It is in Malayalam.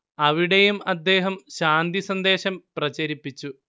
അവിടെയും അദ്ദേഹം ശാന്തി സന്ദേശം പ്രചരിപ്പിച്ചു